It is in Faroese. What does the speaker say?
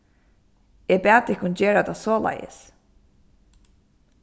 eg bað tykkum gera tað soleiðis